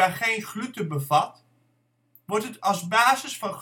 geen gluten bevat, wordt het als basis van